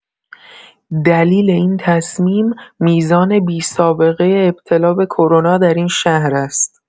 دلیل این تصمیم میزان بی‌سابقه ابتلا به کرونا در این شهر است.